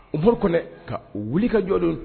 Uoro kɔn ka wuli ka jɔdon